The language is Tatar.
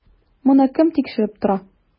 Моны кем тикшереп тора?